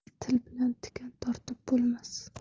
til bilan tikan tortib bo'lmas